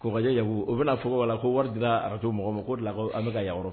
Kokajɛ Yaku , u bi na fɔ ka wala ko wari dira Radio mɔgɔ ma ko de la kan bi ka yan yɔrɔ